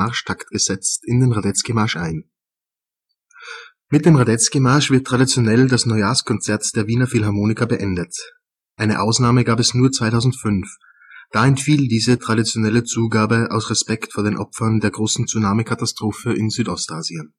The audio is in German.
Radetzkymarsch ein. Mit dem Radetzkymarsch wird traditionell das Neujahrskonzert der Wiener Philharmoniker beendet. Eine Ausnahme gab es nur 2005 – da entfiel diese traditionelle Zugabe aus Respekt vor den Opfern der großen Tsunami-Katastrophe in Südostasien